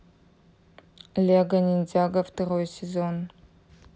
лего ниндзяго второй сезон